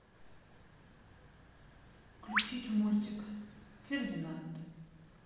включить мультик фердинант